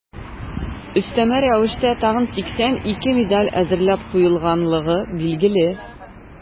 Өстәмә рәвештә тагын 82 медаль әзерләп куелганлыгы билгеле.